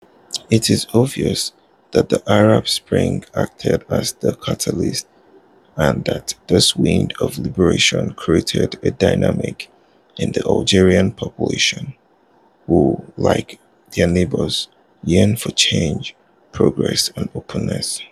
It is obvious that the Arab Spring acted as a catalyst and that this wind of liberation created a dynamic in the Algerian population who, like their neighbors, yearn for change, progress and openness.